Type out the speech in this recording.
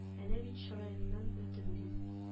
Әнә бит чыраеңнан белдем ди